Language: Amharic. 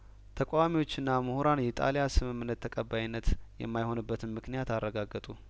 ተቃዋሚዎችና ምሁራን የጣሊያ ስምምነት ተቀባይነት የማይሆንበትን ምክንያት ያብራራሉ